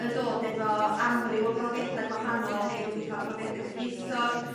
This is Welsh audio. yn dod efo amryw o brofiada' gwahanol rhei wedi ca'l profiada' cyfoethog.